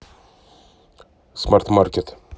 смарт маркет